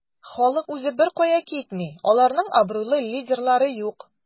Халык үзе беркая китми, аларның абруйлы лидерлары юк.